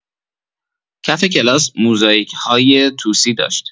کف کلاس موزاییک‌های طوسی داشت.